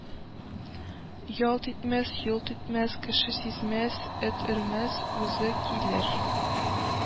Ялт итмәс, йолт итмәс, Кеше сизмәс, эт өрмәс, Үзе килер